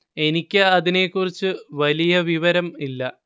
എനിക്ക് അതിനെ കുറിച്ച് വലിയ വിവരം ഇല്ല